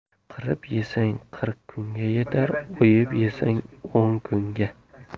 qirib yesang qirq kunga yetar o'yib yesang o'n kunga